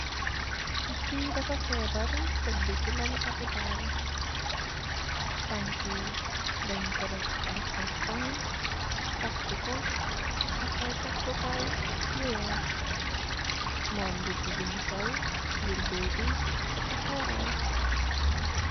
Kii dafa feybar teudeu chi lalu aupitaal. Tangkiyi denj koh def ay karton, takeu koh ak ay taku kaye, yu weah. Morm mbubu bem sol, wergooh bi, dafa khoraye.